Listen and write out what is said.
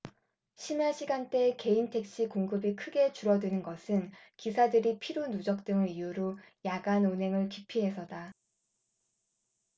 심야시간대 개인택시 공급이 크게 줄어드는 것은 기사들이 피로 누적 등을 이유로 야간 운행을 기피해서다